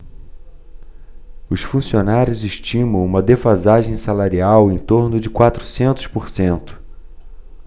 os funcionários estimam uma defasagem salarial em torno de quatrocentos por cento